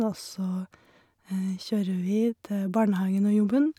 Og så kjører vi til barnehagen og jobben.